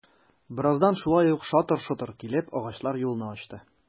Бераздан шулай ук шатыр-шотыр килеп, агачлар юлны ачты...